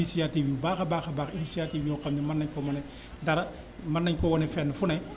initiative yu baax a baax initiative yoo xam ne man nañu koo man a dara mën nañu koo wane fenn fu ne